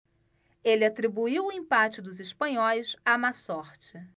ele atribuiu o empate dos espanhóis à má sorte